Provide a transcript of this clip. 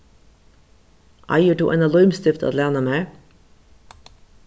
eigur tú eina límstift at læna mær